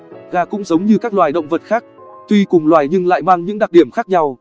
gà cũng giống như các loài động vật khác tuy cùng loài nhưng lại mang những đặc điểm khác nhau